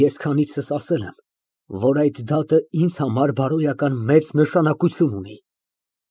Ես քանիցս քեզ ասել եմ, որ այդ դատն ինձ համար բարոյական մեծ նշանակություն ունի։